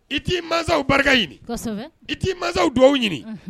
I t'i mansaw barika ɲini kɔsɛbɛ i t'i mansaw duwaw ɲini unhun